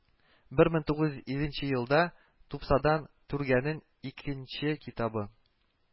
Бер мең тугыз йөз илленче елда тупсадан түргәнең икенче китабы